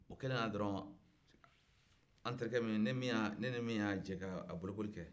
o kɛlen na dɔrɔn ne ni min y'a jɛ ka bolokoli kɛ